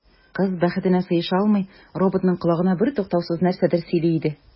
Кыз, бәхетенә сыеша алмый, роботның колагына бертуктаусыз нәрсәдер сөйли иде.